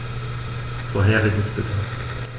Vorheriges bitte.